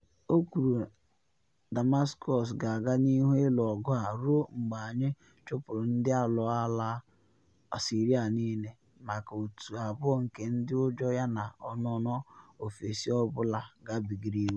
O kwuru Damascus ga-aga n’ihu “ịlụ ọgụ a ruo mgbe anyị chụpụrụ ndị alụọ ọlaa Syria niile” maka otu abụọ nke ndị ụjọ yana “ọnụnọ ofesi ọ bụla gabigara iwu.”